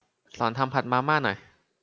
สอนทำผัดมาม่าหน่อย